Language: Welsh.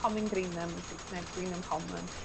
comin Greenham yn Saesneg Greenahm Common.